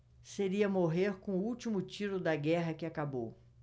seria morrer com o último tiro da guerra que acabou